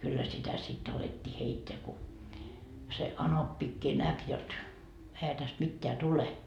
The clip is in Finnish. kyllä sitä sitten alettiin heittää kun se anoppikin näki jotta eihän tästä mitään tule